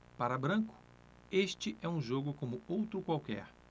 para branco este é um jogo como outro qualquer